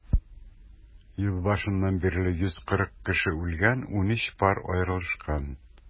Ел башыннан бирле 140 кеше үлгән, 13 пар аерылышкан.